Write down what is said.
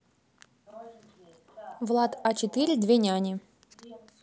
влад а четыре две няни